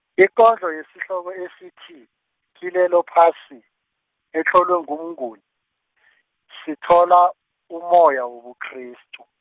ikondlo yesihloko esithi, kilelo phasi, etlolwe nguMnguni , sithola, ummoya wobuKrestu.